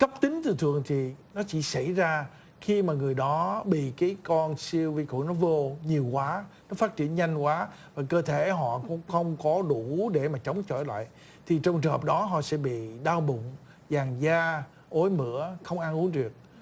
cấp tính thường thường thì nó chỉ xảy ra khi mà người đó bị kí con siêu vi khuẩn vô nhiều quá nó phát triển nhanh quá hơn cơ thể họ cũng không có đủ để mà chống chọi lại thì trong trường hợp đó họ sẽ bị đau bụng vàng da ói mửa không ăn uống được